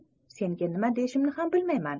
senga nima deyishimni ham bilmayman